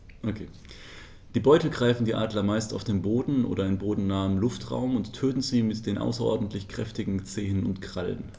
Die Beute greifen die Adler meist auf dem Boden oder im bodennahen Luftraum und töten sie mit den außerordentlich kräftigen Zehen und Krallen.